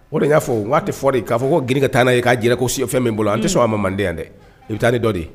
O de y'a fɔ waati fɔ de k'a fɔ ko girin ka taa'a ye k'a jɛ ko fɛn min bolo an tɛ sɔn a ma mande dɛ i bɛ taa ni dɔ de